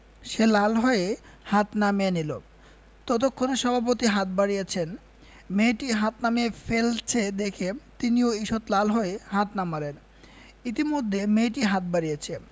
সে লাল হয়ে হাত নামিয়ে নিল ততক্ষনে সভাপতি হাত বাড়িয়েছেন মেয়েটি হাত নামিয়ে ফেলেছে দেখে তিনিও ঈষৎ লাল হয়ে হাত নামালেন ইতিমধ্যে মেয়েটি হাত বাড়িয়েছে